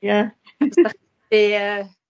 Ia. y...